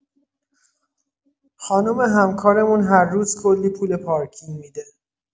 خانمه همکارمون هرروز کلی پول پارکینگ می‌ده.